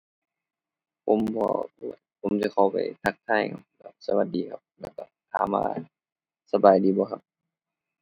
ผมบ่ ผมจะเข้าไปทักทาย สวัสดีครับ แล้วก็ถามว่าสบายดีบ่ครับ